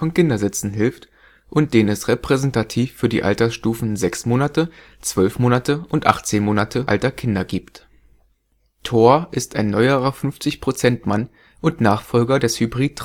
Kindersitzen hilft, und den es repräsentativ für die Altersstufen sechs Monate, zwölf Monate und 18 Monate alter Kinder gibt. THOR ist ein neuerer „ 50-Prozent-Mann “und Nachfolger des Hybrid